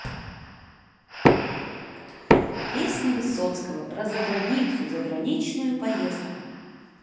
песня высоцкого про заграницу заграничную поездку